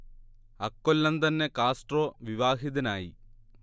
അക്കൊല്ലം തന്നെ കാസ്ട്രോ വിവാഹിതനായി